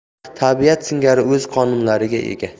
tarix tabiat singari o'z qonunlariga ega